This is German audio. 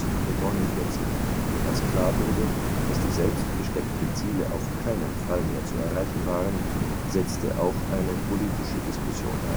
1949, als klar wurde, dass die selbstgesteckten Ziele auf keinen Fall mehr zu erreichen waren, setzte auch eine politische Diskussion